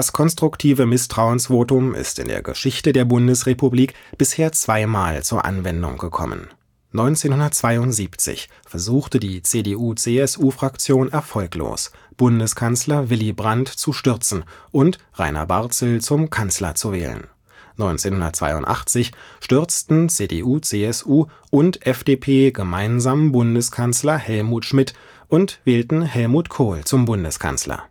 konstruktive Misstrauensvotum ist in der Geschichte der Bundesrepublik bisher zweimal zur Anwendung gekommen: 1972 versuchte die CDU/CSU-Fraktion erfolglos, Bundeskanzler Willy Brandt zu stürzen und Rainer Barzel zum Kanzler zu wählen; 1982 stürzten CDU/CSU und FDP gemeinsam Bundeskanzler Helmut Schmidt und wählten Helmut Kohl zum Bundeskanzler